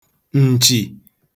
ǹchì